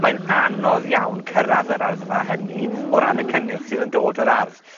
mae'n anodd iawn cyrradd y raddfa hynny, o ran y cynnyrch sydd yn dod o'r ardd.